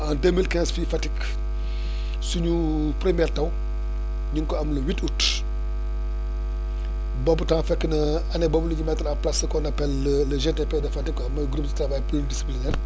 en deux mille quinze fii Fatick suñu première taw ñu ngi ko am le huit août boobu temps fekk na année boobu la ñu mettre en place ce qu' on appelle le le GTP de Fatick quoi mooy groupe de travail pluridisciplinaire